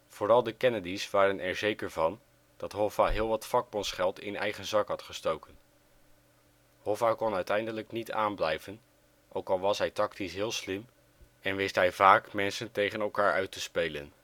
Vooral de Kennedy 's waren er zeker van dat Hoffa heel wat vakbondsgeld in eigen zak had gestoken. Hoffa kon uiteindelijk niet aanblijven, ook al was hij tactisch heel slim en wist hij vaak mensen tegen elkaar uit te spelen